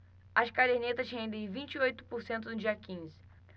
as cadernetas rendem vinte e oito por cento no dia quinze